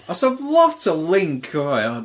Does 'na'm lot o link yn fan'na iawn.